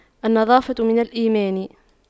النظافة من الإيمان